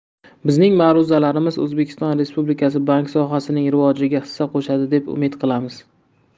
bizning ma'ruzalarimiz o'zbekiston respublikasi bank sohasining rivojiga hissa qo'shadi deb umid qilamiz